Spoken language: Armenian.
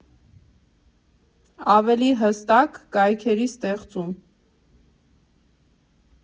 Ավելի հստակ՝ կայքերի ստեղծում։